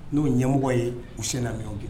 N'o ɲɛmɔgɔ ye u sen na ninnu kɛ